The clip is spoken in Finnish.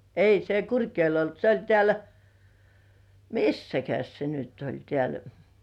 ei se Kurkijoella ollut se oli täällä missäs se nyt oli täällä